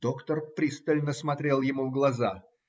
Доктор пристально смотрел ему в глаза.